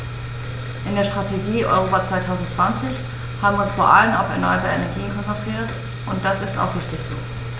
In der Strategie Europa 2020 haben wir uns vor allem auf erneuerbare Energien konzentriert, und das ist auch richtig so.